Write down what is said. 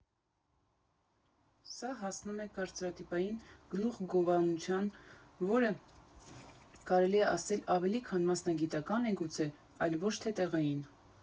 Սա հասնում է կարծրատիպային գլուխգովանության, որը, կարելի է ասել, ավելի շատ մասնագիտական է գուցե, այլ ոչ թե տեղային։